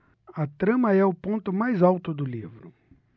a trama é o ponto mais alto do livro